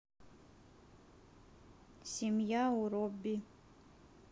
семья у robbie